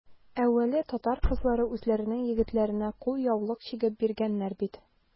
Әүвәле татар кызлары үзләренең егетләренә кулъяулык чигеп биргәннәр бит.